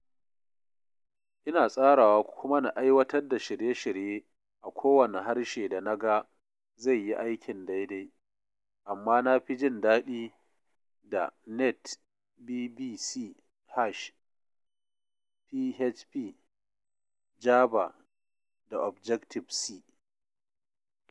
Ina tsarawa kuma na aiwatar da shirye-shirye a kowaanne harshe da na ga zai yi aikin daidai, amma na fi jin daɗi da .NET (VB, C#), PHP, Java da Objective C.